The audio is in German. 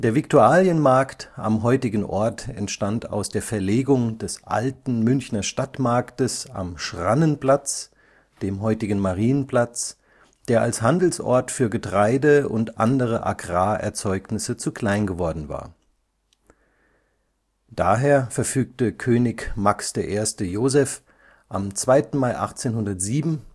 Viktualienmarkt am heutigen Ort entstand aus der Verlegung des alten Münchner Stadtmarktes am Schrannenplatz, dem heutigen Marienplatz, der als Handelsort für Getreide und andere Agrarerzeugnisse zu klein geworden war. Daher verfügte König Max I. Joseph am 2. Mai 1807